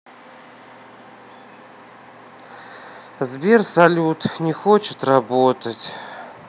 сбер салют не хочет работать